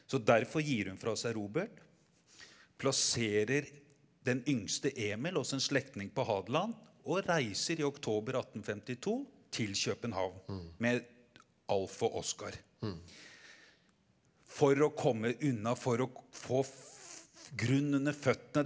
så derfor gir hun fra seg Robert, plasserer den yngste, Emil, hos en slektning på Hadeland, og reiser i oktober 1852 til København med Alf og Oscar for å komme unna, for å få grunn under føttene.